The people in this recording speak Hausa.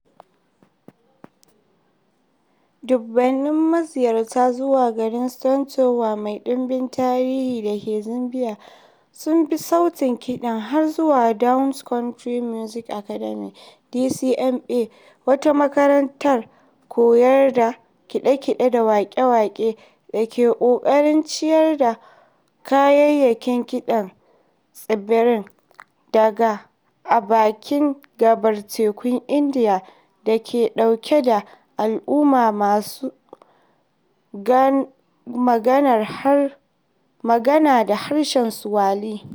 Dubunnan maziyarta zuwa garin Stone Town mai ɗimbin tarihi da ke Zanzibar sun bi sautin kiɗan har zuwa Dhow Countries Music Academy (DCMA), wata makarantar koyar da kaɗe-kaɗe da waƙe-waƙe da ke ƙoƙarin ciyar da kayayyakin kiɗan tsibirin gaba a bakin gaɓar Tekun Indiya da ke dauke da al'umma masu magana da harshen Swahili.